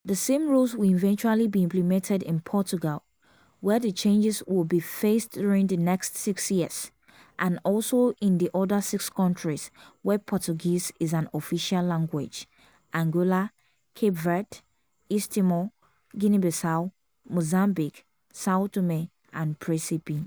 The same rules will eventually be implemented in Portugal, where the changes will be phased during the next six years, and also in the other 6 countries where Portuguese is an official language: Angola, Cape Verde, East Timor, Guinea-Bissau, Mozambique, São Tomé and Príncipe.